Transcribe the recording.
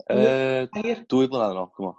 yy i dwy mlynadd yn ôl dwi m'el